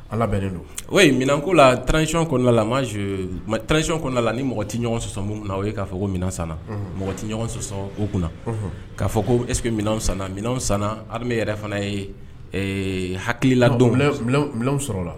Ala don minɛnan' la tcɔn kɔnɔna la ma tcɔn kɔnɔna la ni mɔgɔti ɲɔgɔn sɔsɔ o ye k'a fɔ ko minɛn san mɔgɔti ɲɔgɔn sɔsɔ o kunna k'a fɔ ko eski minɛn san minɛn san ha yɛrɛ fana ye hakililadon sɔrɔ